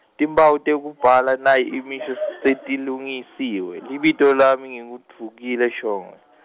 timphawu tekubhala nayi imisho setilungisiwe, libito lami nginguVukile Shongwe.